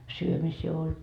syömisiä oli